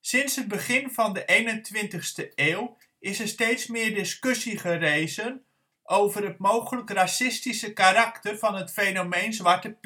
Sinds het begin van de 21e eeuw is er steeds meer discussie gerezen over het mogelijk racistische karakter van het fenomeen Zwarte